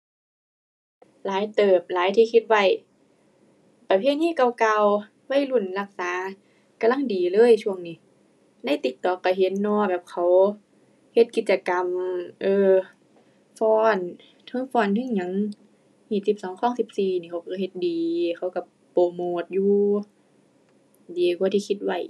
หลายเติบ หลายที่คิดไว้ ประเพณีเก่าเก่าวัยรุ่นรักษากำลังดีเลยช่วงนี้ ใน TikTok ก็เห็นเนาะ แบบเขาเฮ็ดกิจกรรม เออ ฟ้อน เทิงฟ้อนเทิงหยัง ฮีตสิบสอง คองสิบสี่นี่เขาก็เฮ็ดดี เขาก็โปรโมตอยู่ ดีกว่าที่คิดไว้